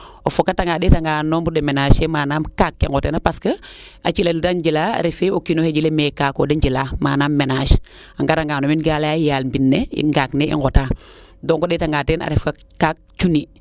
o fokata nga ndeeta nga nombre de menage ke manam kaakak ke ngoteena parce que a cila le de njila refee o kiinoxe jile mais kaako de njila manaam menage a ngara nga no mbin gaa leya yaal mbine ngaak ne i ŋotaa donc o ndeeta nga teen a refa kaak cunni